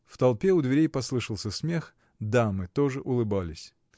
В толпе у дверей послышался смех, дамы тоже улыбались.